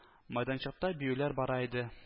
Мәйданчыкта биюләр бара иде